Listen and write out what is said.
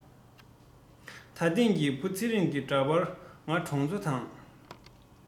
ད ཐེངས ཀྱི བུ ཚེ རིང གི འདྲ པར ང གྲོང ཚོ དང